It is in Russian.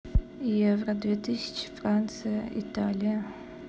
евро две тысячи франция италия